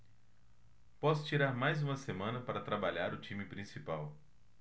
posso tirar mais uma semana para trabalhar o time principal